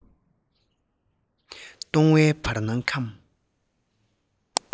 སྟོང བའི བར སྣང ཁམས